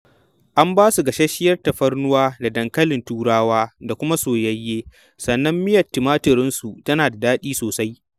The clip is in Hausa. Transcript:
An ba su gasasshiyar tafarnuwa da dankalin Turawa da kuma soyayye sannan miyar tumatirinsu tana da daɗi sosai.